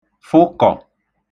fụkọ̀